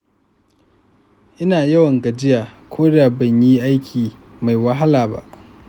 ina yawan gajiya ko da ban yi aiki mai wahala ba.